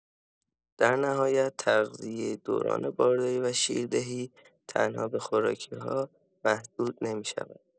در نهایت، تغذیه دوران بارداری و شیردهی تنها به خوراکی‌ها محدود نمی‌شود.